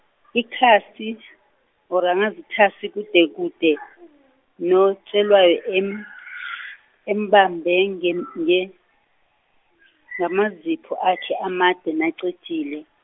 ikhasi thasi, kudekude notshelwa e- em- embambe ngem- nge, ngamazipho akhe amade nacijile.